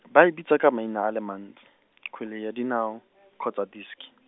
ba e bitsa ka maina a le mantsi , kgwele ya dinao , kgotsa, diski.